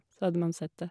Så hadde man sett det.